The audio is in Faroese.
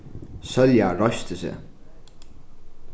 sólja reisti seg